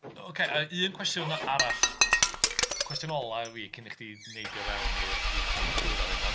Ocê a un cwestiwn arall... cwestiwn ola fi cyn i chdi neidio fewn i'r... i egluro hyn ond...